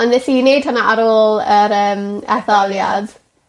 On' nes i neud hwnna ar ôl yr yym etholiad.